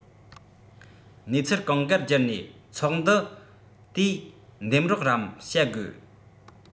གནས ཚུལ གང དགར བསྒྱུར ནས ཚོགས འདུ དེས འདེམས རོགས རམ བྱ དགོས